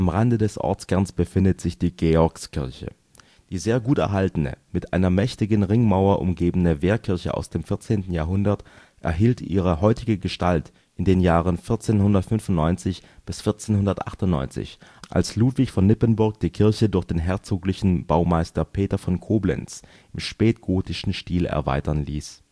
Rande des Ortskerns befindet sich die Georgskirche. Die sehr gut erhaltene, mit einer mächtigen Ringmauer umgebene Wehrkirche aus dem 14. Jahrhundert erhielt ihre heutige Gestalt in den Jahren 1495 bis 1498, als Ludwig von Nippenburg die Kirche durch den herzoglichen Baumeister Peter von Koblenz im spätgotischen Stil erweitern ließ